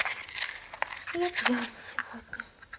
я пьян сегодня